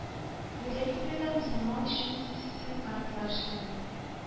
Грециядә мөселманнар өчен СИМ-карталар эшләнде.